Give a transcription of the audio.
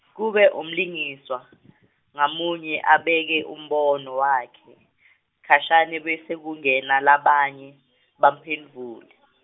kube umlingiswa ngamunye abeke umbono wakhe khashane bese kungena labanye bamphendvule.